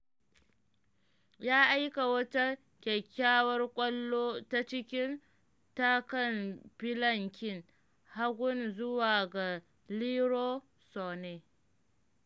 Ya aika wata kyakkyawar ƙwallo ta ciki ta kan filankin hagun zuwa ga Leroy Sane.